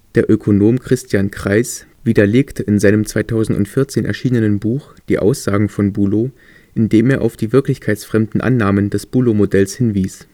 Der Ökonom Christian Kreiß widerlegte in seinem 2014 erschienenen Buch die Aussagen von Bulow, indem er auf die wirklichkeitsfremden Annahmen des Bulow-Modells hinwies